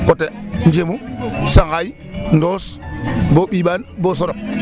Coté Ndiemou Sangaye Ndos bo Mbimban bo Sorokh .